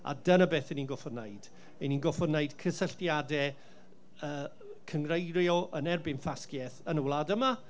a dyna beth 'y ni'n gorfod wneud, 'y ni'n gorfod wneud cysylltiadau cyngreirio yn erbyn ffasgaeth yn y wlad yma.